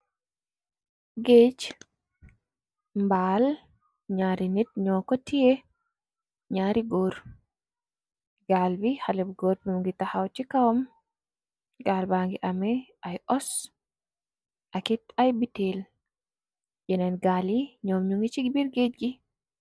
géej mbaal ñaari nit ñoo ko tié ñaari góor gaal bi xalib goor bum ngi taxaw ci kawam gaalba ngi ame ay os akit ay bitél yeneen gaal yi ñoom ñu ngi ci biir géej gi.